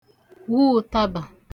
wụ ụ̀tabà